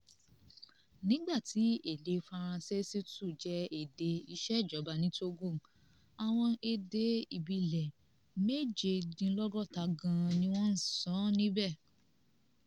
Nígbà tí èdè Faransé sì tún jẹ́ èdè ìṣèjọba ní Togo, àwọn èdè ìbílẹ̀ 53 gan ni wọ́n ṣ sọ níbẹ̀.